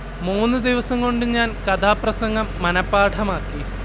മൂന്നു ദിവസം കൊണ്ടു ഞാൻ കഥാപ്രസംഗം മനഃപാഠമാക്കി